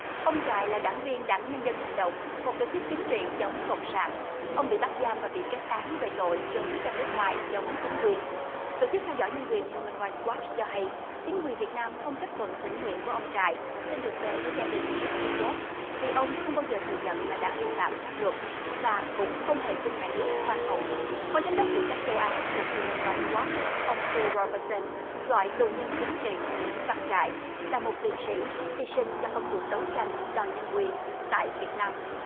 ông trại là đảng viên đảng nhân dân hành động một tổ chức chính trị chống cộng sản ông bị bắt giam và bị kết án về tội trốn ra nước ngoài chống chính quyền tổ chức theo dõi nhân quyền hiu mừn rai oắt cho hay chính quyền việt nam không chấp thuận thỉnh nguyện của ông trại xin được về với gia đình trước khi chết vì ông không bao giờ thừa nhận là đã vi phạm pháp luật và cũng không hề xin nhà nước khoan hồng phó giám đốc phụ trách châu á thuộc hiu mừn rai oắt ông phin ro bơ sen gọi tù nhân chính trị nguyễn văn trại là một liệt sỹ hy sinh cho công cuộc đấu tranh đòi nhân quyền tại việt nam